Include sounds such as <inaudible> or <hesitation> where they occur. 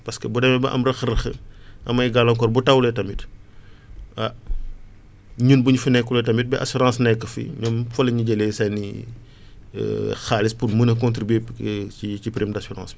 parce boo demee ba am rëq-rëq <breath> am ay gàllankoor bu tawulee tamit <breath> ah ñun bu ñu fa nekkulee tamit ba assurance nekk fi <noise> même fa la ñuy jëlee seen i <hesitation> xaalis pour mun a contribuer <hesitation> ci ci problème :ra d' assurance bi